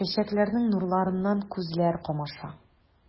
Чәчәкләрнең нурларыннан күзләр камаша.